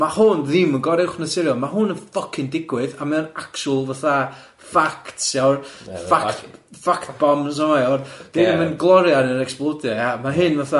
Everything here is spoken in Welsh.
Ma' hwn ddim yn gorywch naturiol ma' hwn yn ffycin digwydd a mae o'n actual fatha, facts iawr, fact bombs a mae o'r dwi ddim yn glori ar yr explodion ia ma' hyn fatha,